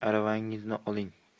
aravangizni oling